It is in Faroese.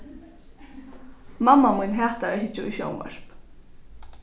mamma mín hatar at hyggja í sjónvarp